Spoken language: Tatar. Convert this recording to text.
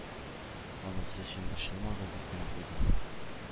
Анысы өчен борчылмагыз, дип кенә куйдым